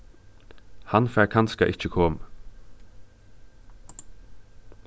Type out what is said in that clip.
hann fær kanska ikki komið